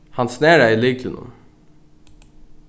hann snaraði lyklinum